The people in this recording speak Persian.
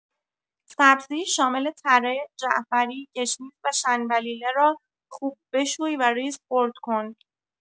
سبزی شامل تره، جعفری، گشنیز و شنبلیله را خوب بشوی وریز خرد کن.